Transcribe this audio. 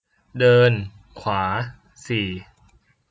เดินขวาสี่